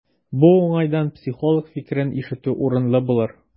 Бу уңайдан психолог фикерен ишетү урынлы булыр.